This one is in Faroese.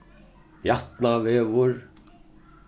jatnavegur